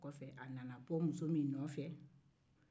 kɔfɛ a nana bɔ muso min nɔfɛ